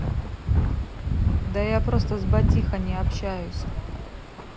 да я просто с ботиха не общаюсь